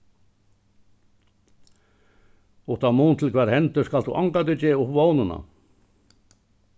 uttan mun til hvat hendir skalt tú ongantíð geva upp vónina